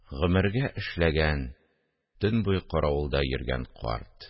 – гомергә эшләгән... төн буе каравылда йөргән карт